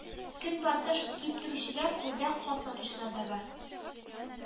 Көнбагыш киптерүчеләр, үрдәк, каз сатучылар да бар